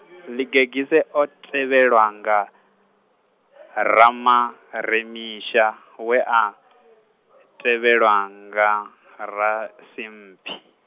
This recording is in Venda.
Ḽigegise o tevhelwa nga, Ramaremisa we a, tevhelwa nga Rasimphi.